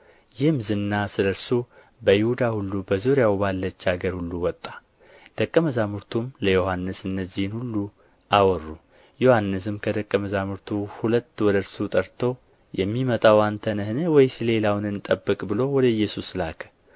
ይህም ዝና ስለ እርሱ በይሁዳ ሁሉ በዙሪያውም ባለች አገር ሁሉ ወጣ ደቀ መዛሙርቱም ለዮሐንስ እነዚህን ሁሉ አወሩ ዮሐንስም ከደቀ መዛሙርቱ ሁለት ወደ እርሱ ጠርቶ የሚመጣው አንተ ነህን ወይስ ሌላውን እንጠብቅ ብሎ ወደ ኢየሱስ ላከ